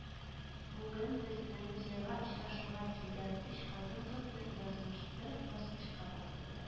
“бүген безне – музейга очрашуга килгән өч хатын-кызны – язмыш бер баскычка бастырды